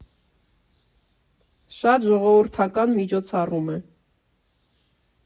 Շատ ժողովրդական միջոցառում է։